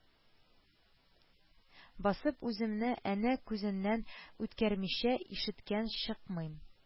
Басып үземне энә күзеннән үткәрмичә ишектән чыкмыйм